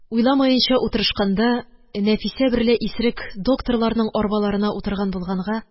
Уйланмаенча утырышканда Нәфисә берлә исерек докторларның арбаларына утырган булганга